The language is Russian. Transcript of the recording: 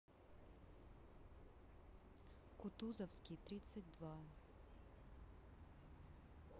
кутузовский тридцать два